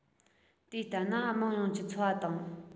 དེ ལྟ ན དམངས ཡོངས ཀྱི འཚོ བ དང